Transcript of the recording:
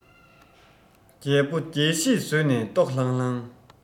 རྒྱལ པོ རྒྱལ གཞིས ཟོས ནས ལྟོགས ལྷང ལྷང